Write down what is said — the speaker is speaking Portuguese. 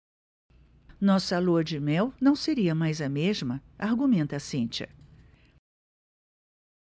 nossa lua-de-mel não seria mais a mesma argumenta cíntia